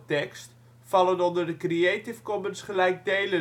52° 0 ' NB, 6° 18